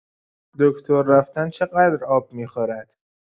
دکتر رفتن چقدر آب می‌خورد؟